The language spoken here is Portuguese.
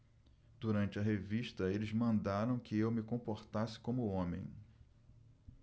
durante a revista eles mandaram que eu me comportasse como homem